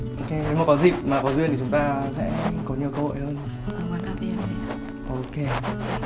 ô kê nếu mà có dịp mà có duyên thì chúng ta sẽ có nhiều cơ hội hơn ô kê